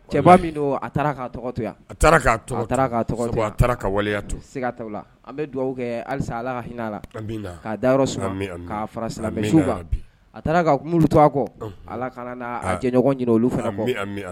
Cɛ min don a to an bɛ dugawu kɛ halisa ala hinɛ dayɔrɔ fara silamɛ a taara to akɔ ala jɛ ɲini olu fana